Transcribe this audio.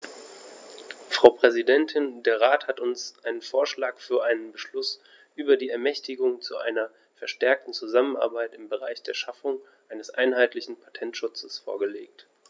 Frau Präsidentin, der Rat hat uns einen Vorschlag für einen Beschluss über die Ermächtigung zu einer verstärkten Zusammenarbeit im Bereich der Schaffung eines einheitlichen Patentschutzes vorgelegt.